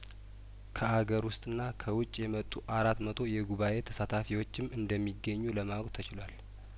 ከአገር ውስጥና ከውጭ የመጡ አራት መቶ የጉባኤ ተሳታፊዎችም እንደሚገኙ ለማወቅ ተችሏል